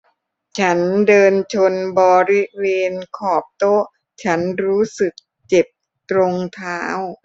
ฉันเดินชนบริเวณขอบโต๊ะฉันรู้สึกเจ็บตรงเท้า